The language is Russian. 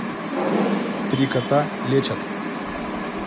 три кота лечат